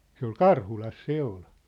se oli Karhulassa se oli